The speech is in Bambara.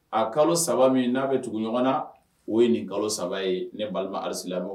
A kalo saba min n'a bɛ tugu ɲɔgɔn na o ye nin kalo saba ye ne balima alisililabɔ